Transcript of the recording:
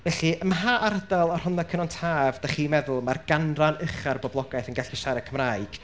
Felly ym mha ardal o Rhondda Cynon Taf dach chi'n meddwl ma'r ganran ucha o'r boblogaeth yn gallu siarad Cymraeg.